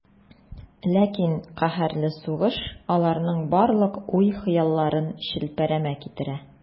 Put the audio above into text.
Ләкин каһәрле сугыш аларның барлык уй-хыялларын челпәрәмә китерә.